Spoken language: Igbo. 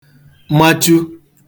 machu